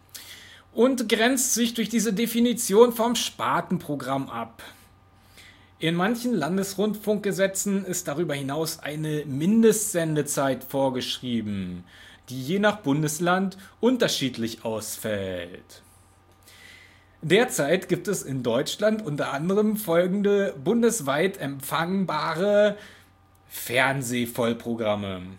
RStV) und grenzt sich durch diese Definition vom Spartenprogramm ab. In manchen Landesrundfunkgesetzen ist darüber hinaus eine Mindestsendezeit vorgeschrieben, die je nach Bundesland unterschiedlich ausfällt. Derzeit gibt es in Deutschland unter anderem folgende bundesweit empfangbare Fernseh-Vollprogramme